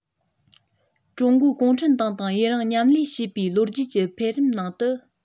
ཀྲུང གོའི གུང ཁྲན ཏང དང ཡུན རིང མཉམ ལས བྱས པའི ལོ རྒྱུས ཀྱི འཕེལ རིམ ནང དུ